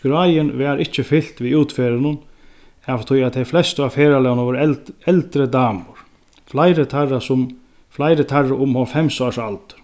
skráin var ikki fylt við útferðunum av tí at tey flestu á ferðalagnum vóru eldri damur fleiri teirra sum fleiri teirra um hálvfems árs aldur